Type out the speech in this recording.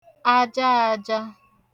ajaaja